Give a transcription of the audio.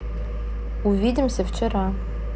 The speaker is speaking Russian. увидимся вчера